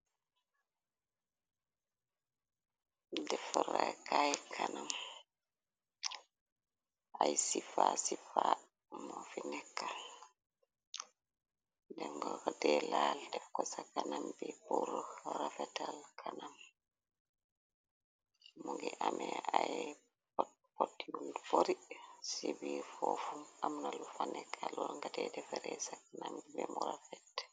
Deforakay kanam ay sifa sifa mo fi nekkal dengo de laldeko ca kanam bi bur rafetal kanam mo ngi ame ay popot yun bari ci bi foofum amnalu fa nekkalo ngate defare sa kanam bi bemurafet.